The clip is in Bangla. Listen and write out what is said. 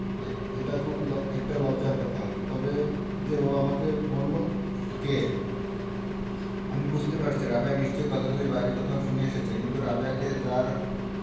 এটা খুব একটা লজ্জার কথা তবে যে ও আমাকে বললো কে আমি বুঝতে পারছি রাবেয়া নিশ্চয়ই কথাগুলি বাইরে কোথাও শুনে এসেছে কিন্তু রাবেয়াকে যার